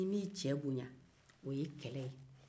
n'i m'i ce bonya o ye kɛlɛ ye